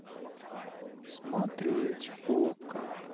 смотреть окко